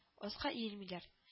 Аска иелмиләр